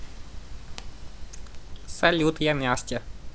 салют я настя